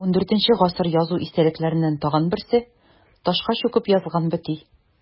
ХIV гасыр язу истәлекләреннән тагын берсе – ташка чүкеп язылган бөти.